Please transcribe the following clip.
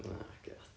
o god